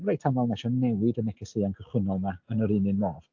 Reit amal mae isio newid y negeseuon cychwynnol na yn yr un un modd.